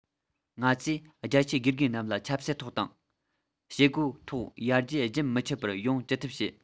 ང ཚོས རྒྱ ཆེའི དགེ རྒན རྣམས ལ ཆབ སྲིད ཐོག དང བྱེད སྒོའི ཐོག ཡར རྒྱས རྒྱུན མི འཆད པར ཡོང ཅི ཐུབ བྱས